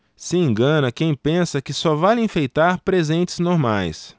se engana quem pensa que só vale enfeitar presentes normais